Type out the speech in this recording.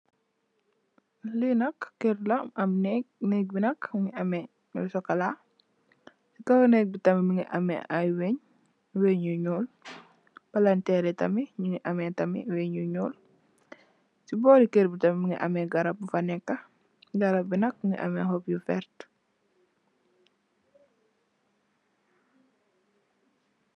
Li nak keur la mo am neeg neeg bi mongi ame lu cxocola si kaw neeg bi tamit mongi am ay wuñ wun yu nuul palanterr bi tamit mongi ame tamit wun bu nuul si bori keur bi tamit mongi ame garab bu fa neka garabi yu nak mongi ame ay xob xob yu wertax